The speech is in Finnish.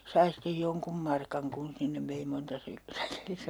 sai sitten jonkun markan kun sinne vei monta - säkillistä